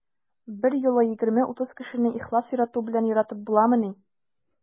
Берьюлы 20-30 кешене ихлас ярату белән яратып буламыни?